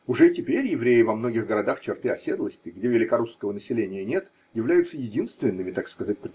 Уже и теперь евреи во многих городах черты оседлости, где великорусского населения нет, являются единственными, так сказать.